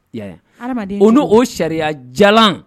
Yaa o' o sariya ja